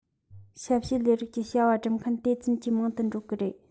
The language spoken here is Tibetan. ཞབས ཞུའི ལས རིགས ཀྱི བྱ བ སྒྲུབ མཁན དེ ཙམ གྱིས མང དུ འགྲོ གི རེད